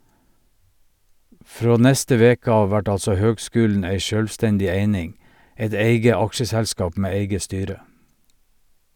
Frå neste veke av vert altså høgskulen ei sjølvstendig eining, eit eige aksjeselskap med eige styre.